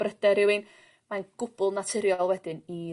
bryder rywun mae'n gwbwl naturiol wedyn i